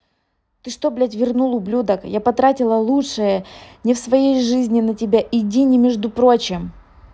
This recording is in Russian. ты что блядь вернул ублюдок я потратила лучше не в своей жизни на тебя иди не между прочим